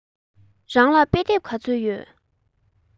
རང ལ དཔེ དེབ ག ཚོད ཡོད